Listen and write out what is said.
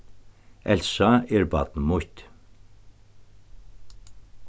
elsa er barn mítt